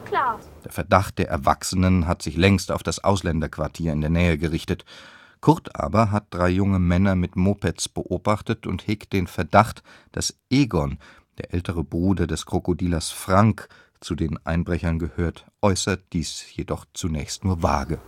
Der Verdacht der Erwachsenen hat sich längst auf das Ausländerquartier in der Nähe gerichtet, Kurt aber hat drei junge Männer mit Mopeds beobachtet und hegt den Verdacht, dass Egon, der ältere Bruder des Krokodilers Frank, zu den Einbrechern gehört, äußert dies jedoch zunächst nur vage